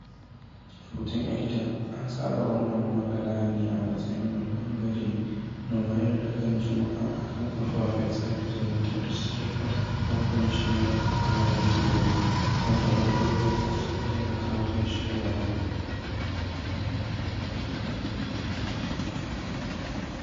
Rubutun Edita: An tsara wannan maƙala ne a matsayin wani ɓangare na wayar da kan jama'a akan kafafen sada zumunta da suke ƙarfafa bambancin yaruka a yanar-gizo, wanda Rising Voices suka taimaka wajen shiryawa.